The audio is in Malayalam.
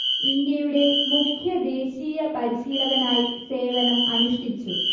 ഇന്ത്യയുടെ മുഖ്യ ദേശീയ പരിശീലകനായി സേവനം അനുഷ്ഠിച്ചു